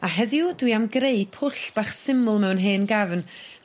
A heddiw dwi am greu pwll bach syml mewn hen gafn